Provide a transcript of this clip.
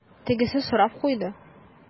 Тегесе сорап куйды: